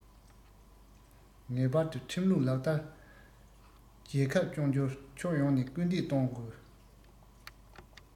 ངེས པར དུ ཁྲིམས ལུགས ལྟར རྒྱལ ཁབ སྐྱོང རྒྱུར ཕྱོགས ཡོངས ནས སྐུལ འདེད གཏོང དགོས